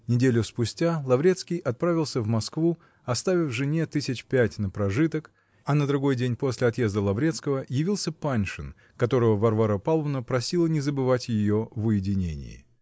неделю спустя Лаврецкий отправился в Москву, оставив жене тысяч пять на прожиток, а на другой день после отъезда Лаврецкого явился Паншин, которого Варвара Павловна просила не забывать ее в уединении.